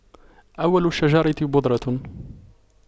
أول الشجرة بذرة